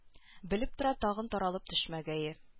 Белеп тора тагын таралып төшмәгәе